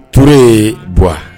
Pure buug